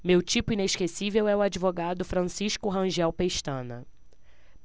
meu tipo inesquecível é o advogado francisco rangel pestana